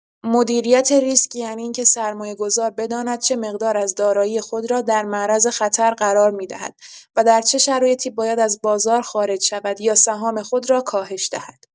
مدیریت ریسک یعنی اینکه سرمایه‌گذار بداند چه مقدار از دارایی خود را در معرض خطر قرار می‌دهد و در چه شرایطی باید از بازار خارج شود یا سهام خود را کاهش دهد.